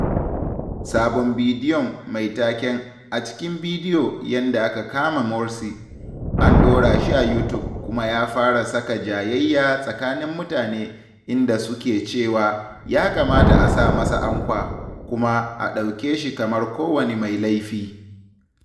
Sabon bidiyon, mai taken “A Cikin Bidiyo, Yanda Aka Kama Morsi”, an ɗora shi a YouTube, kuma ya fara saka jayayya tsakanin mutane [ar] inda suke cewa “ya kamata a sa masa ankwa” kuma “a ɗauke shi kamar kowane mai laifi .”